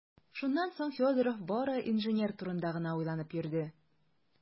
Шуннан соң Федоров бары инженер турында гына уйланып йөрде.